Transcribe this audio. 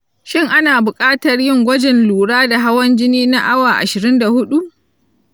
shin ana buƙatar yin gwajin lura da hawan jini na awa ashirin da hudu